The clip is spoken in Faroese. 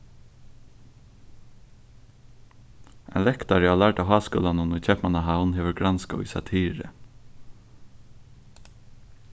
ein lektari á lærda háskúlanum í keypmannahavn hevur granskað í satiru